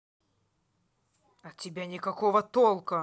от тебя никакого толка